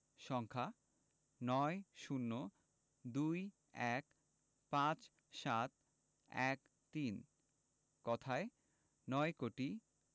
সংখ্যাঃ ৯ ০২ ১৫ ৭১৩ কথায়ঃ নয় কোটি সংখ্যাঃ ৯ ০২ ১৫ ৭১৩ কথায়ঃ নয় কোটি